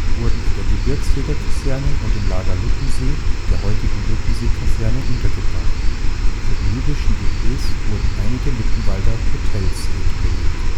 wurden in der Gebirgsjägerkaserne und im Lager Luttensee (der heutigen Luttensee-Kaserne) untergebracht, für die jüdischen DPs wurden einige Mittenwalder Hotels requiriert